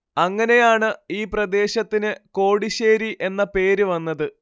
അങ്ങനെയാണ് ഈ പ്രദേശത്തിന് കോടിശ്ശേരി എന്ന പേര് വന്നത്